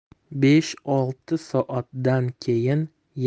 besh olti soatdan keyin